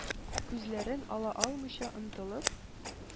Күзләрен ала алмыйча, онытылып: